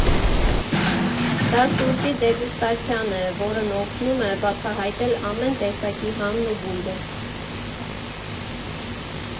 Դա սուրճի դեգուստացիան է, որն օգնում է բացահայտել ամեն տեսակի համն ու բույրը։